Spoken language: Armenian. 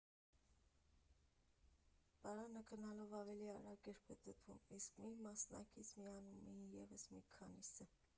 Պարանը գնալով ավելի արագ էր պտտվում, իսկ մի մասնակցին միանում էին ևս մի քանիսը։